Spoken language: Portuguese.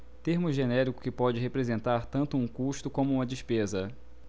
termo genérico que pode representar tanto um custo como uma despesa